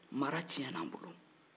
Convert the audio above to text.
mara tiɲɛ na an bol